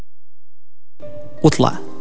اطلع